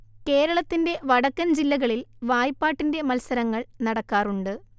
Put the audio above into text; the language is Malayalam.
കേരളത്തിൻറെ വടക്കൻ ജില്ലകളിൽ വായ്പാട്ടിൻറെ മത്സരങ്ങൾ നടക്കാറുണ്ട്